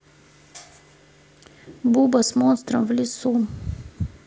буба с монстрами в лесу